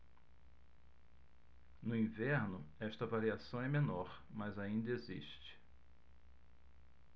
no inverno esta variação é menor mas ainda existe